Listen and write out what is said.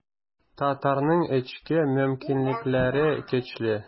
Татарның эчке мөмкинлекләре көчле.